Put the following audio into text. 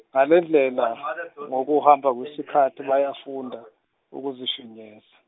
ngalendlela ngokuhamba kwesikhathi, bayafunda ukufinyeza.